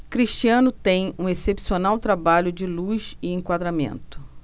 cristiano tem um excepcional trabalho de luz e enquadramento